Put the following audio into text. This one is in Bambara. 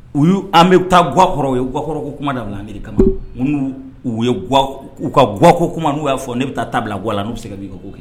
U y'u, an bɛ taa gwa kɔrɔ. U ye gwakɔrɔko kuma dabila ne de kama. N'u y'u ka gwako kuma n'u y'a fɔ, ne bɛ taa ta bila gwa la n'u bɛ se ka min kɛ u k'o kɛ